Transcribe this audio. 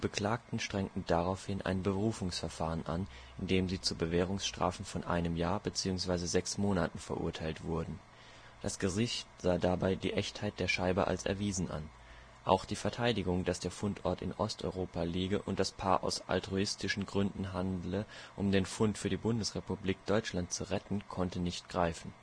Beklagten strengten daraufhin ein Berufungsverfahren an, in dem sie zu Bewährungsstrafen von 1 Jahr bzw. 6 Monaten verurteilt wurden. Das Gericht sah dabei die Echtheit der Scheibe als erwiesen an. Auch die Verteidigung, dass der Fundort in Osteuropa liege und das Paar aus altruistischen Gründen handelte, um den Fund für die Bundesrepublik Deutschland zu retten, konnte nicht greifen